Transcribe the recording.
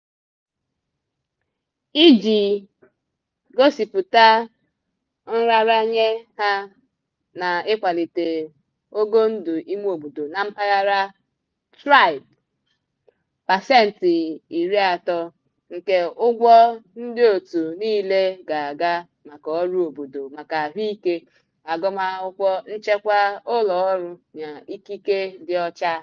Iji gosịpụta nraranye ha n'ịkwalite ogo ndụ imeobodo na mpaghara "Tribe", 30% nke ụgwọ ndịòtù niile ga-aga maka ọrụ obodo maka ahụike, agụmakwụkwọ, nchekwa, ụlọọrụ na ikike dị ọcha.